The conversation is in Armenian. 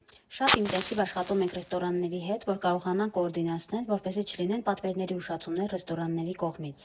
Շատ ինտենսսիվ աշխատում ենք ռեստորանների հետ, որ կարողանանք կոորդինացնել, որպեսզի չլինեն պատվերների ուշացումներ ռեստորանների կողմից։